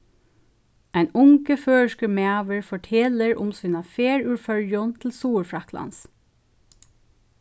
ein ungur føroyskur maður fortelur um sína ferð úr føroyum til suðurfraklands